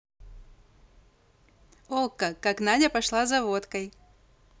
okko как надя пошла за водкой